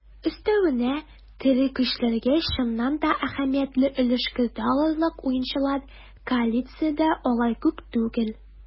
Өстәвенә, тере көчләргә чыннан да әһәмиятле өлеш кертә алырлык уенчылар коалициядә алай күп түгел.